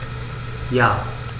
Ja.